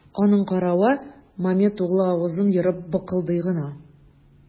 Аның каравы, Мамед углы авызын ерып быкылдый гына.